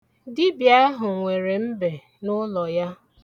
Dịbịa ahụ nwere mbe n'ụlọ ya.